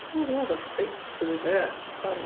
Nadi ma' 'na fel arfer bits...Ia... yn y darn